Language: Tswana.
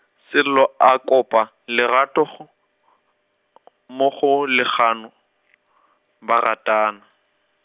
Sello a kopa lerato go , mo go Legano , ba ratana.